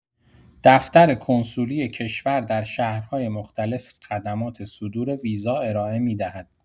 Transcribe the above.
دفتر کنسولی کشور در شهرهای مختلف خدمات صدور ویزا ارائه می‌دهد.